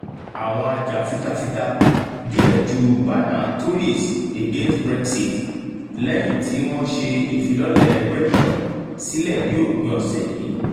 Àwọn ajàfitafita díẹ̀ ju bánà Tories Against Brexit lẹ́yìn tí wọ́n ṣẹ ìfilọ́lẹ̀ ẹgbẹ́ náà sílẹ̀ ní òpin ọ̀sẹ̀ yìí.